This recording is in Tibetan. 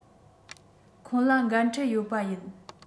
ཁོ ལ འགན འཁྲི ཡོད པ ཡིན